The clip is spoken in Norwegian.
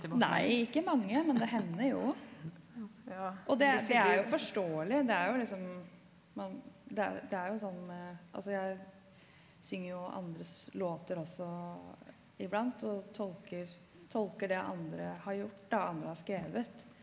nei ikke mange men det hender jo og det det er jo forståelig det er jo liksom man det er det er jo sånn med altså jeg synger jo andres låter også iblant og tolker tolker det andre har gjort da andre har skrevet.